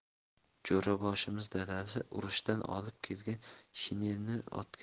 jo'raboshimiz dadasi urushdan olib kelgan shinelni o'tga